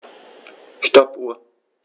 Stoppuhr.